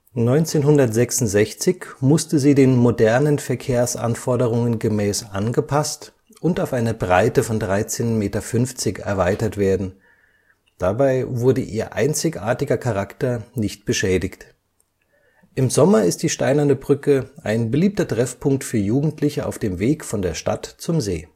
1966 musste sie den modernen Verkehrsanforderungen gemäß angepasst und auf eine Breite von 13,5 Meter erweitert werden, dabei wurde ihr einzigartiger Charakter nicht beschädigt. Im Sommer ist die Steinerne Brücke ein beliebter Treffpunkt für Jugendliche auf dem Weg von der Stadt zum See